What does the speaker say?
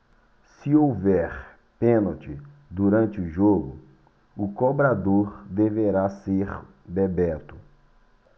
se houver pênalti durante o jogo o cobrador deverá ser bebeto